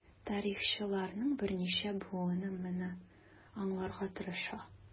Тарихчыларның берничә буыны моны аңларга тырыша.